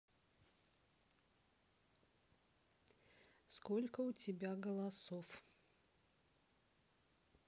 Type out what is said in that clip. сколько у тебя голосов